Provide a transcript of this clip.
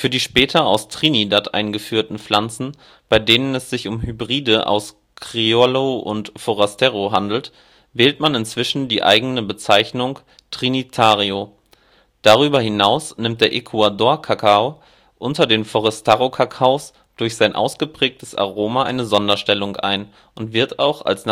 die später aus Trinidad eingeführten Pflanzen, bei denen es sich um Hybride aus Criollo und Forastero handelt, wählt man inzwischen die eigene Bezeichnung " Trinitario ". Darüberhinaus nimmt der Ecuador-Kakao unter den Forastero-Kakaos durch sein ausgeprägtes Aroma eine Sonderstellung ein und wird auch als